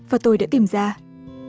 và tôi đã tìm ra